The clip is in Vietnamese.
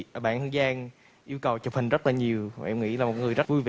bạn hương giang yêu cầu chụp hình rất là nhiều em nghĩ là một người rất vui